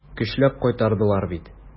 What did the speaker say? Көчләп кайтардылар бит.